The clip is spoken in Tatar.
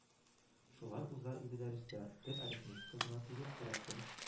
Шулай уза иде дәресләр: тел, арифметика гына түгел, рәсем